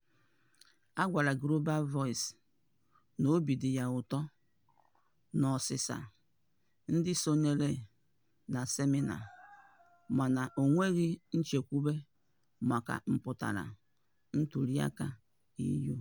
Ọ gwara Global Voices na obi dị ya ụtọ n'ọsịsa ndị sonyere na semịnaa, mana o nweghị nchekwube maka mpụtara ntuliaka EU.